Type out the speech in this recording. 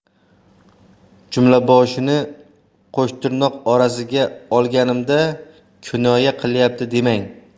jumlaboshini qo'shtirnoq orasiga olganimga kinoya qilyapti demang